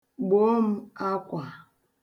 Gboo m akwa.